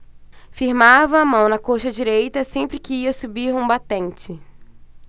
firmava a mão na coxa direita sempre que ia subir um batente